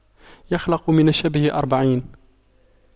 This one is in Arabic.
يخلق من الشبه أربعين